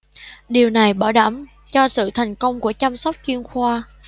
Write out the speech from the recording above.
điều này bảo đảm cho sự thành công của chăm sóc chuyên khoa